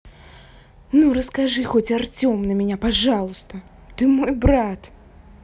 ну расскажи хоть артем на меня пожалуйста ты мой брат